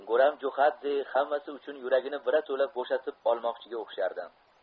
guram jo'xadze hammasi uchun yuragini birato'la bo'shatib olmoqchiga o'xshardi